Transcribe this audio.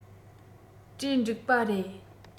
གྲོས འགྲིག པ རེད